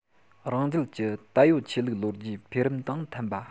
རང རྒྱལ གྱི ད ཡོད ཆོས ལུགས ལོ རྒྱུས འཕེལ རིམ དང མཐུན པ